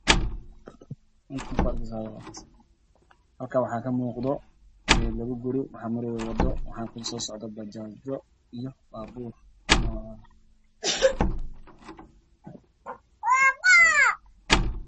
Hal kaan waxaa kamuuqda labo guri waxaa maraayo wado waxaa soo socdo bajaj